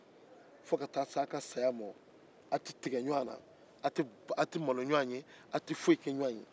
fo ka taa se aw ka saya ma a' tɛ tigɛ ɲɔgɔn na a' tɛ malo ɲɔgɔn ye